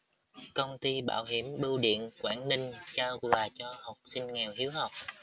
công ty bảo hiểm bưu điện quảng ninh trao quà cho học sinh nghèo hiếu học